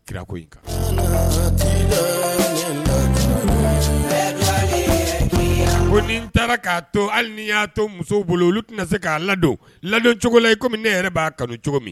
Kirako in ko n taara k'a to hali n y'a to musow bolo olu tɛna se k'a ladon ladon cogo la i komi ne yɛrɛ b'a kanu cogo min